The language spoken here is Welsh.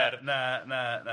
Na, na, na.